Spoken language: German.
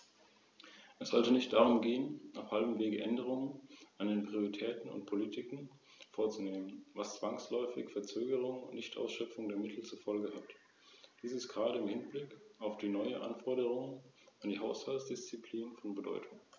Einen letzten Punkt möchte ich noch ansprechen: Wir dürfen uns nicht damit begnügen, eine weitere Lücke im Sicherheitsnetz zu schließen und die Augen davor zu verschließen, dass beim Thema Verkehrssicherheit in Europa noch viel mehr zu tun ist.